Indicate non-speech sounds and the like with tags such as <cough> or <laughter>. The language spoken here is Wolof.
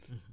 <hesitation> <hesitation>